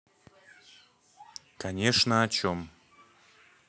конечно о чем